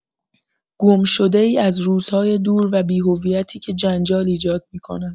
گمشده‌ای از روزهای دور و بی‌هویتی که جنجال ایجاد می‌کند.